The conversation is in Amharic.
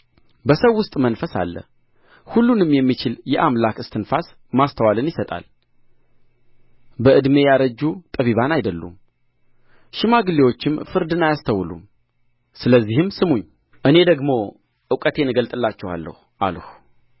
በሰው ውስጥ መንፈስ አለ ሁሉንም የሚችል የአምላክ እስትንፋስ ማስተዋልን ይሰጣል በዕድሜ ያረጁ ጠቢባን አይደሉም ሽማግሌዎችም ፍርድን አያስተውሉም ስለዚህም ስሙኝ እኔ ደግሞ እውቀቴን እገልጥላችኋለሁ አልሁ